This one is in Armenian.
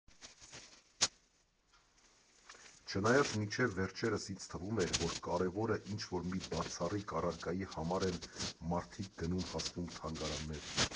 Չնայած մինչև վերջերս ինձ թվում էր, որ կարևորը մի ինչ֊որ բացառիկ առարկայի համար են մարդիկ գնում֊հասնում թանգարաններ…